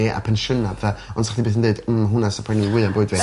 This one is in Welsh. ni a pensyna a petha ond 'sach chi'n byth yn deud mm hwnna sy poeni mwya yn bywyd fi.